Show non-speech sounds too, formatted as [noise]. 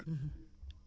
[hesitation] [hesitation]